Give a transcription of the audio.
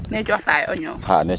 ne cooxtaayo o ñow